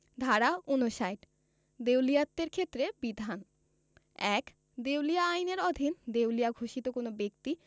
ধারা ৫৯ দেউলিয়াত্বের ক্ষেত্রে বিধান ১ দেউলিয়া আইন এর অধীন দেউলিয়া ঘোষিত কোন ব্যক্তি